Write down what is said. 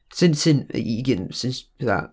Sy'n, sy'n, i g- sy'n- s' pethau...